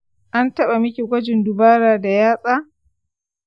an taba miki gwajin dubara da yatsa?